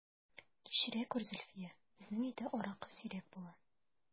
Кичерә күр, Зөлфия, безнең өйдә аракы сирәк була...